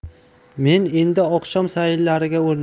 men endi oqshom sayllari